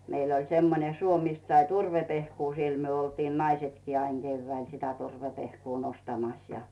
meillä oli semmoinen suo mistä sai turvepehkua siellä me oltiin naisetkin aina keväällä sitä turvepehkua nostamassa ja